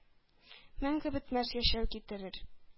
Мәңге бетмәс яшәү китерер?!